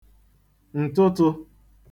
ǹtụtụ̄